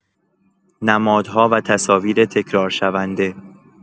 نمادها و تصاویر تکرارشونده